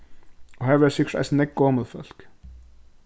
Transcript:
og har verða sikkurt eisini nógv gomul fólk